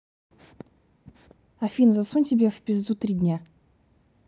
афина засунь себе в пизду три дня